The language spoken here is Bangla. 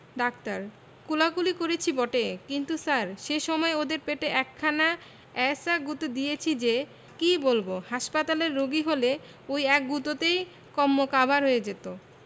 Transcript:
ডাক্তার কোলাকুলি করেছি বটে কিন্তু স্যার সে সময় ওদের পেটে এক একখানা এ্যায়সা গুঁতো দিয়েছে যে কি বলব হাসপাতালের রোগী হলে ঐ এক গুঁতোতেই কন্মকাবার হয়ে যেত